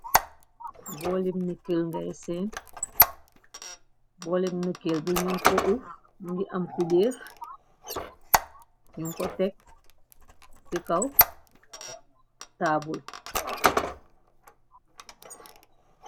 ngay s booleb nukkil bi ñu ko uuf ngi am xubiir ñu ko tekk ci kaw taabul